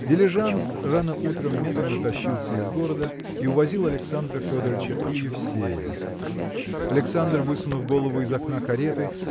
Дилижанс рано утром медленно тащился из города и увозил Александра Федорыча и Евсея. Александр высунув голову из окна кареты